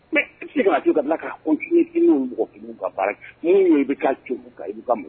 Mɛ ka ka mɔgɔ ka baara minnu i bɛ kan i